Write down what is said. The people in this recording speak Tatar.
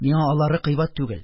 Миңа алары кыйбат түгел: